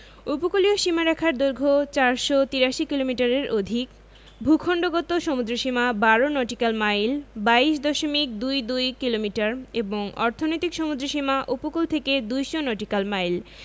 উপকূলীয় সীমারেখার দৈর্ঘ্য ৪৮৩ কিলোমিটারের অধিক ভূখন্ডগত সমুদ্রসীমা ১২ নটিক্যাল মাইল ২২ দশমিক দুই দুই কিলোমিটার এবং অর্থনৈতিক সমুদ্রসীমা উপকূল থেকে ২০০ নটিক্যাল মাইল